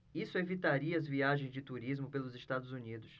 isso evitaria as viagens de turismo pelos estados unidos